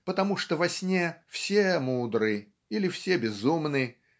потому что во сне все мудры или все безумны